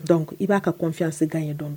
Dɔnkuc i b'a ka kɔnfiya' ye dɔn dɔn